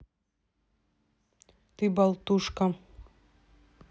ты болтушка